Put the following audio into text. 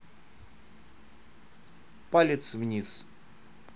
палец вниз